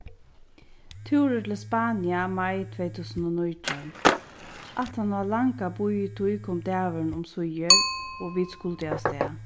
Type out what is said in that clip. túrur til spania mai tvey túsund og nítjan aftaná langa bíðitíð kom dagurin umsíðir og vit skuldu avstað